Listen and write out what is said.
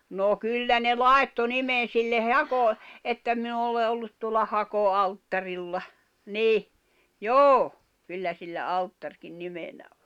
no kyllä ne laittoi nimen sille - että minä olen ollut tuolla hakoalttarilla niin joo kyllä sillä alttarikin nimenä on